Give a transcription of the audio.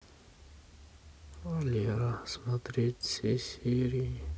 валера смотреть все серии